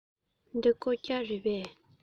འདི རྐུབ བཀྱག རེད པས